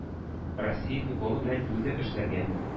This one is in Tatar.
Россия футболы белән нидер эшләргә,